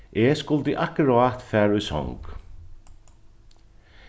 eg skuldi akkurát fara í song